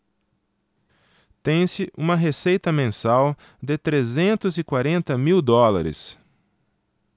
tem-se uma receita mensal de trezentos e quarenta mil dólares